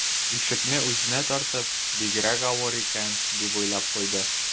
Ишекне үзенә тартып: «Бигрәк авыр икән...», - дип уйлап куйды